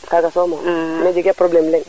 kaga soomo mais jege probleme leng